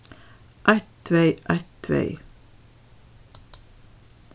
eitt tvey eitt tvey